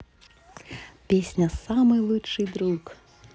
песня самый лучший друг